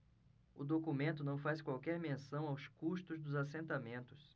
o documento não faz qualquer menção aos custos dos assentamentos